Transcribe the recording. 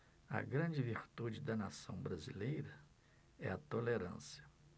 a grande virtude da nação brasileira é a tolerância